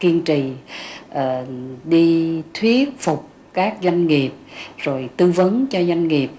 kiên trì ờ đi thuyết phục các doanh nghiệp rồi tư vấn cho doanh nghiệp